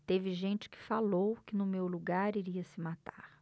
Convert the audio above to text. teve gente que falou que no meu lugar iria se matar